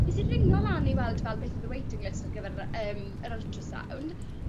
Nes i ringo lan i weld fal beth o'dd y waiting list ar gyfer yym yr ultrasound